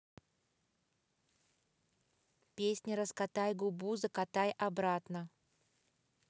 песня раскатай губу закатай обратно